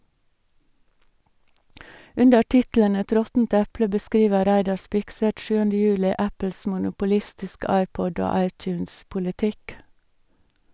Under tittelen "Et råttent eple" beskriver Reidar Spigseth 7. juli Apples monopolistiske iPod- og iTunes-politikk.